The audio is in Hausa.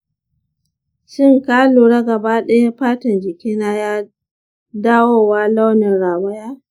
shin ka lura gaba daya fatan jikina ya dawowa launin rawaya?